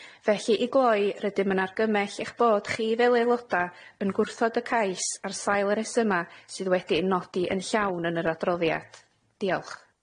Felly i gloi, rydym yn argymell eich bod chi fel aeloda yn gwrthod y cais ar sail y resyma sydd wedi'u nodi yn llawn yn yr adroddiad. Diolch.